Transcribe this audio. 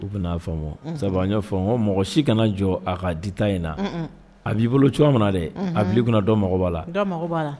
U bɛ'a fɔ sabu' fɔ mɔgɔ si kana jɔ a kaa dita in na a b'i bolo cogoya min dɛ a bi kana dɔn mɔgɔ la la